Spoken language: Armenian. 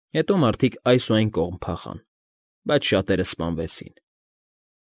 Հետո մարդիկ այս ու այն կողմ փախան. բայց շատերը սպանվեցին։